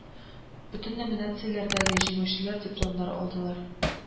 Бөтен номинацияләрдәге җиңүчеләр дипломнар алдылар